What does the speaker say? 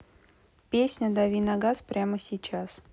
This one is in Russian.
песня дави на газ прямо сейчас